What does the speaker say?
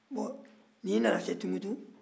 n'i nana se tumutu